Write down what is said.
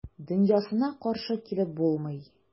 Дөньясына каршы килеп булмый.